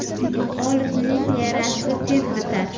g'olibning yarasi tez bitar